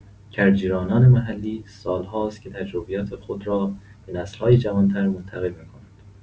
کرجی‌رانان محلی سال‌هاست که تجربیات خود را به نسل‌های جوان‌تر منتقل می‌کنند.